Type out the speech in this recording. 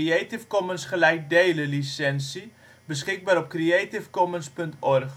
467 ' NB, 5° 19 ' OL